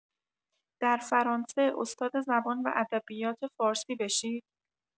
در فرانسه استاد زبان و ادبیات فارسی بشید؟